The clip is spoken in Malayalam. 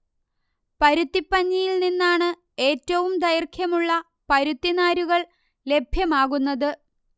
പരുത്തിപ്പഞ്ഞിയിൽ നിന്നാണ് ഏറ്റവും ദൈർഘ്യമുളള പരുത്തി നാരുകൾ ലഭ്യമാകുന്നത്